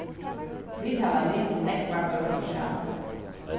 vit hava lisið nógvar bøkur saman